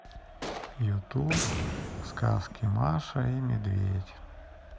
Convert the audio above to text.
ютуб сказки маша и медведь